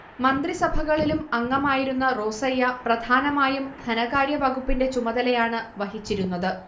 മന്ത്രിസഭകളിലും അംഗമായിരുന്ന റോസയ്യ പ്രധാനമായും ധനകാര്യവകുപ്പിന്റെ ചുമതലയാണ് വഹിച്ചിരുന്നത്